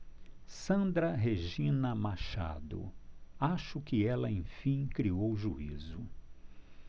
sandra regina machado acho que ela enfim criou juízo